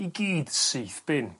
i gyd syth bin.